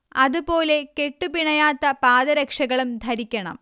അതു പോലെ കെട്ടു പിണയാത്ത പാദരക്ഷകളും ധരിക്കണം